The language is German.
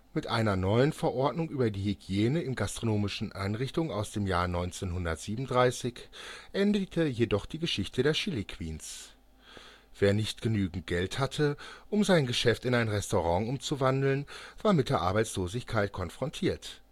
Mit einer neuen Verordnung über die Hygiene in gastronomischen Einrichtungen aus dem Jahr 1937 endete jedoch die Geschichte der Chiliqueens. Wer nicht genügend Geld hatte, um sein Geschäft in ein Restaurant umzuwandeln, war mit der Arbeitslosigkeit konfrontiert